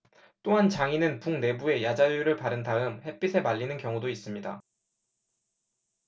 또한 장인은 북 내부에 야자유를 바른 다음 햇빛에 말리는 경우도 있습니다